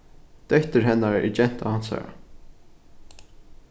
dóttir hennara er genta hansara